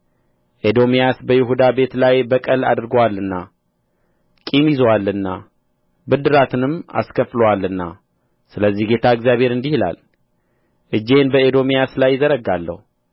ኤዶምያስ በይሁዳ ቤት ላይ በቀል አድርጎአልና ቂም ይዞአልና ብድራትንም አስከፍሎአልና ስለዚህ ጌታ እግዚአብሔር እንዲህ ይላል እጄን በኤዶምያስ ላይ እዘረጋለሁ